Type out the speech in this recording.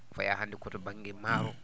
fayaa hannde koto baŋnge maaro